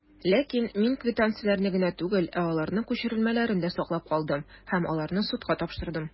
Ләкин мин квитанцияләрне генә түгел, ә аларның күчермәләрен дә саклап калдым, һәм аларны судка тапшырдым.